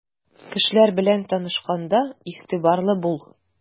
Кешеләр белән танышканда игътибарлы бул.